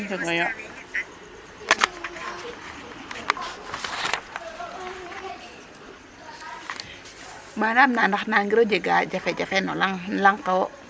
xaye njegooyo manaam ndax nangiro jega jafe jafe no lang ke wo'?